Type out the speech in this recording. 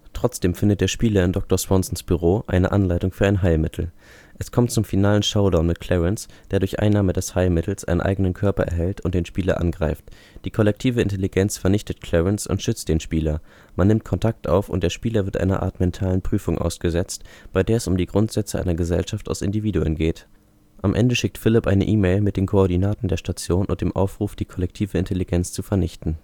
Trotzdem findet der Spieler in Dr. Swansons Büro eine Anleitung für ein Heilmittel. Es kommt zum finalen Showdown mit Clarence, der durch Einnahme des Heilmittels einen eigenen Körper erhält und den Spieler angreift. Die kollektive Intelligenz vernichtet Clarence und schützt den Spieler. Man nimmt Kontakt auf, und der Spieler wird einer Art mentalen Prüfung ausgesetzt, bei der es um die Grundsätze einer Gesellschaft aus Individuen geht. Am Ende schickt Philipp eine E-Mail mit den Koordinaten der Station und dem Aufruf, die kollektive Intelligenz zu vernichten